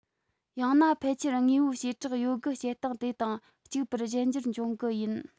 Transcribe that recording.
ཡང ན ཕལ ཆེར དངོས པོའི བྱེ བྲག ཡོད དགུ བྱེད སྟངས དེ དང གཅིག པར གཞན འགྱུར འབྱུང གི ཡིན